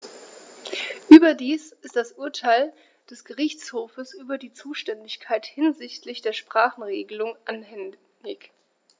Überdies ist das Urteil des Gerichtshofes über die Zuständigkeit hinsichtlich der Sprachenregelung anhängig.